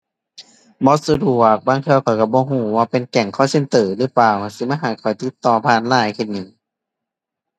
บ่สะดวก บางเทื่อข้อยก็บ่ก็ว่าเป็นแก๊ง call center หรือเปล่า สิมาให้ข้อยติดต่อผ่าน LINE เฮ็ดหยัง